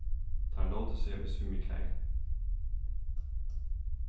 teir lótu seg í svimjiklæði